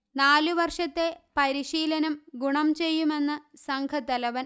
നാലു വര്ഷത്തെ പരിശീലനം ഗുണം ചെയ്യുമെന്ന് സംഘത്തലവന്